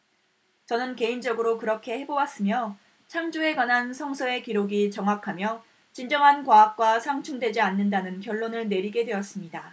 저는 개인적으로 그렇게 해 보았으며 창조에 관한 성서의 기록이 정확하며 진정한 과학과 상충되지 않는다는 결론을 내리게 되었습니다